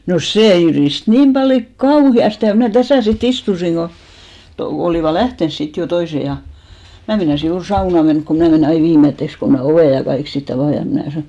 no se jyristi niin paljon kauheasti ja minä tässä sitten istuin kun - olivat lähtenyt sitten jo toiset ja minä meinasin juuri saunaan mennä kun minä menen aina viimeiseksi kun minä ovet ja kaikki sitten avaan ja minä sanoin